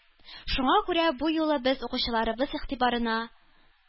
Шуңа күрә бу юлы без укучыларыбыз игътибарына